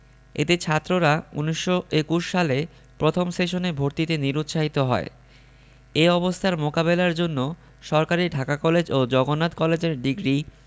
এতে ছাত্ররা ১৯২১ সালে প্রথম সেশনে ভর্তিতে নিরুৎসাহিত হয় এ অবস্থার মোকাবেলার জন্য সরকারি ঢাকা কলেজ ও জগন্নাথ কলেজের ডিগ্রি